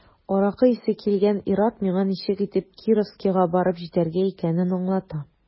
Аракы исе килгән ир-ат миңа ничек итеп Кировскига барып җитәргә икәнен аңлата.